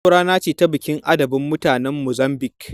Yau rana ce ta bikin adabin mutanen Mozambic.